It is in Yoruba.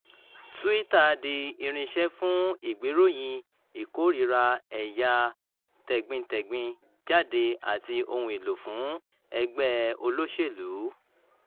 Twitter di irinṣẹ́ fún ìgbéròyìn ìkórìíra ẹ̀yà tẹ̀gbintẹ̀gbin jáde àti ohun èlò fún ẹgbẹ́ olóṣèlú.